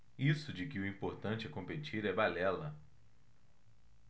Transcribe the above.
isso de que o importante é competir é balela